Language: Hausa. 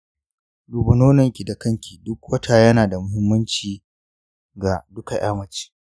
duba nononki da kanki duk wata yana da muhimmanci ga duka ya mace.